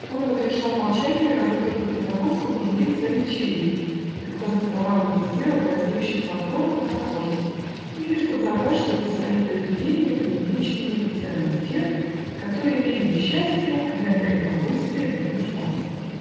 Он разрешал молчание разве только для того, чтобы журить своих дочерей, когда заставал их без дела глазеющих в окно на прохожих, или чтоб запрашивать за свои произведения преувеличенную цену у тех, которые имели несчастие (а иногда и удовольствие) в них нуждаться.